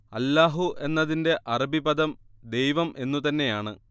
അല്ലാഹു എന്നതിന്റെ അറബി പദം ദൈവം എന്നു തന്നെയാണ്